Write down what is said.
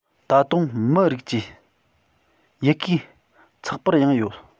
ད དུང མི རིགས ཀྱི ཡི གེའི ཚགས པར ཡང ཡོད